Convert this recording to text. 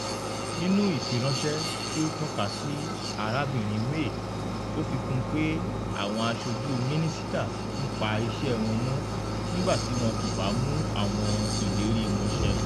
Nínú ìfiránṣẹ́ ti o tọ́ka si Arabinrin May, ó fi kun pé: 'Àwọn aṣoju Mínísítà ń pa iṣẹ́ wọn mọ nígbà tí wọ́n kò bá mú àwọn ìlérí wọn ṣẹ.'